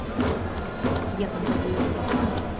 yaqinda bo'yoq topsam